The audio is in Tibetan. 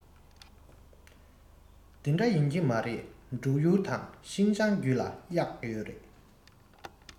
དེ འདྲ ཡིན གྱི མ རེད འབྲུག ཡུལ དང ཤིན ཅང རྒྱུད ལ ཡང གཡག ཡོད རེད